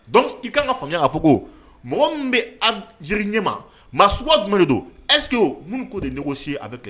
Dɔnku i ka kan ka fanga a fɔ ko mɔgɔ min bɛ jiri ɲɛ ma maa s jumɛn de don ese minnu ko de n si a bɛ kɛ